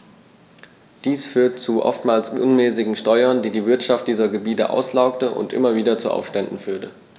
Dies führte zu oftmals unmäßigen Steuern, die die Wirtschaft dieser Gebiete auslaugte und immer wieder zu Aufständen führte.